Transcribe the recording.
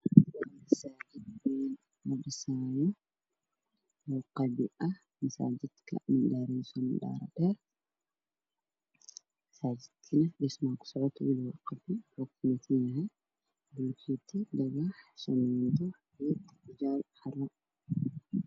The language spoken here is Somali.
Waxaa ii muuqda dabaq laga dhisaayo masaajid dhismaha waa uu socdaa waxa uu ka kooban yahay shan biyaano alwaaxyo ayaa ka tagtaagan iyo biro ayaa ku jira